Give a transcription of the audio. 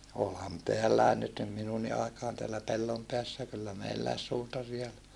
olihan täälläkin nyt niin minunkin aikaan täällä Pellonpäässä kyllä meilläkin suutari oli